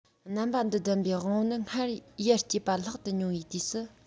རྣམ པ འདི ལྡན པའི དབང པོ ནི སྔར ཡར སྐྱེས པ ལྷག ཏུ ཉུང བའི དུས སུ